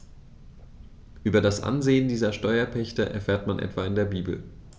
Über das Ansehen dieser Steuerpächter erfährt man etwa in der Bibel.